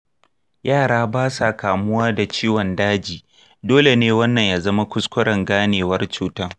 yara ba sa kamuwa da ciwon daji, dole ne wannan ya zama kuskuren ganewar cuta.